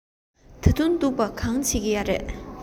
ད དུང སྡུག པ གང བྱེད ཀྱི ཡོད རས